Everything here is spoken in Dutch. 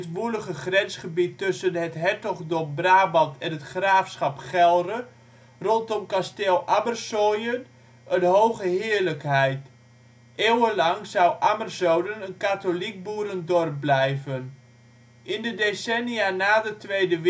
woelige grensgebied tussen het Hertogdom Brabant en het Graafschap Gelre, rondom Kasteel Ammersoyen een hoge heerlijkheid. Eeuwenlang zou Ammerzoden een katholiek boerendorp blijven. In de decennia na de Tweede Wereldoorlog